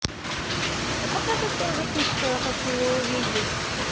да покажи ты уже письку я хочу ее увидеть